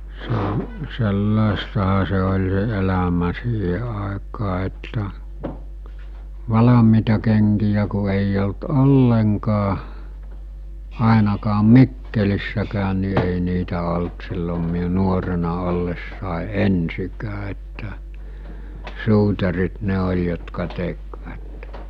- sellaistahan se oli se elämä siihen aikaan että valmiita kenkiä kun ei ollut ollenkaan ainakaan Mikkelissäkään niin ei niitä ollut silloin minun nuorena ollessani ensinkään että suutarit ne oli jotka tekivät